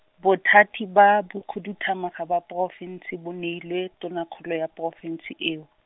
Bothati ba bokhuduthamaga ba porofense bo neilwe Tonakgolo ya porofense eo.